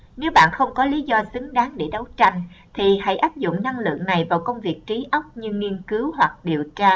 nếu bạn không có lý do xứng đáng để đấu tranh thì hãy áp dụng năng lượng này vào công việc trí óc như nghiên cứu hoặc điều tra